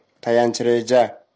tayanch reja